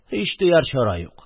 Һич тыяр чара юк...